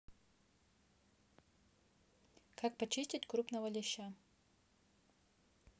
как почистить крупного леща